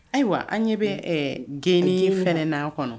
Ayiwa an ɲɛ bɛ geni fɛnɛ na a kɔnɔ